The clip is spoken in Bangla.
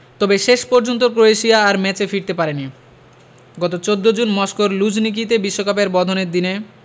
তবে শেষ পর্যন্ত ক্রোয়েশিয়া আর ম্যাচে ফিরতে পারেনি গত ১৪ জুন মস্কোর লুঝনিকিতে বিশ্বকাপের বোধনের দিনে